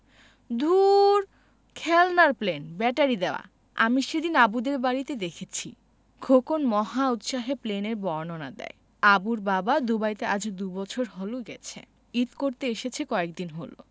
দূর খেলনার plane battery দেয়া আমি সেদিন আবুদের বাড়িতে দেখেছি খোকন মহা উৎসাহে প্লেনের বর্ণনা দেয় আবুর বাবা দুবাইতে আজ দুবছর হলো গেছে ঈদ করতে এসেছে কয়েকদিন হলো